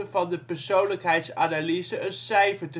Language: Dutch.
van de persoonlijkheidsanalyse een cijfer